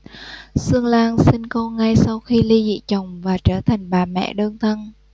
xuân lan sinh con ngay sau khi ly dị chồng và trở thành bà mẹ đơn thân